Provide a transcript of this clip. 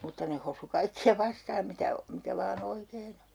mutta ne hosui kaikkia vastaan mitä mikä vain oikein on